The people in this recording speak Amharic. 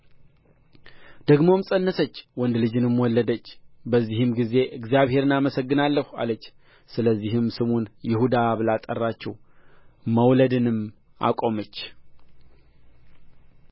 ደግሞም ፀነስች ወንድ ልጅንም ወለደች በዚህም ጊዜ እግዚአብሔርን አመሰግናለሁ አለች ስለዚህም ስሙን ይሁዳ ብላ ጠራችው መውለድንም አቆመች